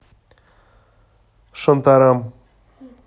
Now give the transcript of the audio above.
шантарам